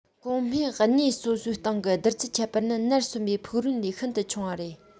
གོང སྨྲས གནས སོ སོའི སྟེང གི བསྡུར ཚད ཁྱད པར ནི ནར སོན པའི ཕུག རོན ལས ཤིན ཏུ ཆུང བ རེད